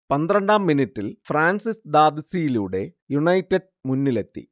പന്ത്രണ്ടാം മിനിറ്റിൽ ഫ്രാൻസിസ് ദാദ്സീയിലൂടെ യുണൈറ്റഡ് മുന്നിലെത്തി